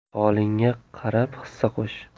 holingga qarab hissa qo'sh